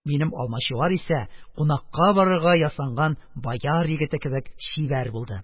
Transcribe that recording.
Минем Алмачуар исә кунакка барырга ясанган бояр егете кебек чибәр булды.